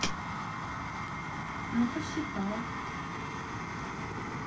ну посчитал